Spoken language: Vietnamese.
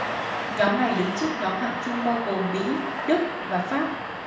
nhóm này đứng trước nhóm hạng trung bao gồm mỹ đức và pháp